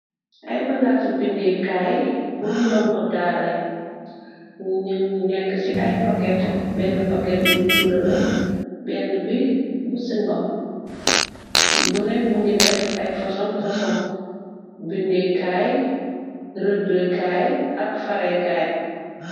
Ay bagaasu bindekaay buru ndong daarae nunu nekk ci ay paket bénn paket bib bulala bénn bi bu singom bune mu ngi def ay foson foson binde kaay rëddekaay ak farekaay.